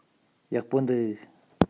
ཡག པོ འདུག